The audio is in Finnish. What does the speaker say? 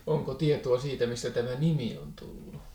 onko tietoa siitä mistä tämä nimi on tullut